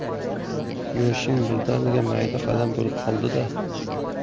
yurishing birdaniga mayda qadam bo'lib qoldi da